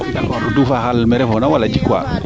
d' accord duufa xaal me refoona wala jikwa